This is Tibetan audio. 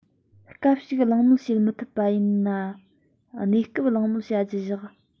སྐབས ཤིག གླེང མོལ བྱེད མི ཐུབ པ ཡིན ན གནས སྐབས གླེང མོལ བྱ རྒྱུ བཞག